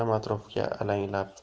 onam atrofga alanglab